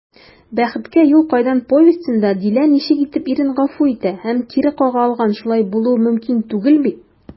«бәхеткә юл кайдан» повестенда дилә ничек итеп ирен гафу итә һәм кире кага алган, шулай булуы мөмкин түгел бит?»